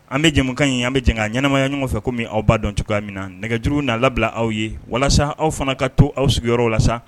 An bɛ jɛkan ɲi an bɛ bɛn ka ɲɛnaɛnɛmaya ɲɔgɔn fɛ ko min aw ba dɔn cogoya min na nɛgɛjuru naa labila aw ye walasa aw fana ka to aw sigiyɔrɔ la